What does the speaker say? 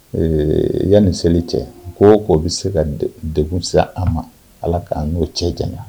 Ee yanni seli cɛ ko k' bɛ se ka deg siran an ma ala k'an n'o cɛ jan